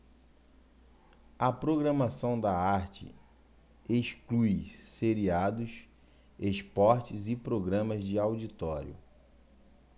a programação da arte exclui seriados esportes e programas de auditório